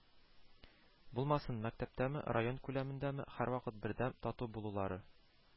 Булмасын, мәктәптәме, район күләмендәме, һәрвакыт бердәм, тату булулары